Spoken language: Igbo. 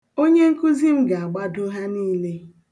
Onyenkuzi m ga-agbado ha niile.